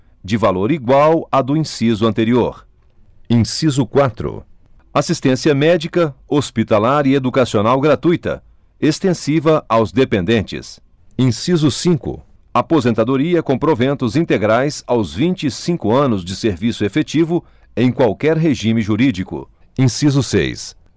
de valor igual à do inciso anterior inciso quatro assistência médica hospitalar e educacional gratuita extensiva aos dependentes inciso cinco aposentadoria com proventos integrais aos vinte e cinco anos de serviço efetivo em qualquer regime jurídico inciso seis